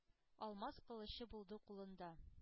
Алмаз кылычы булды кулында.